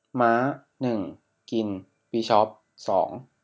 ม้าหนึ่งกินบิชอปสอง